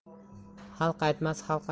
xalq aytmas xalq